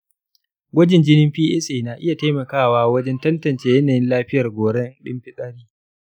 gwajin jinin psa na iya taimakawa wajen tantance yanayin lafiyar goran din fitsari.